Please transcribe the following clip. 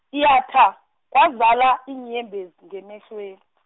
yatha, kwazala iinyembezi ngemehlwe-.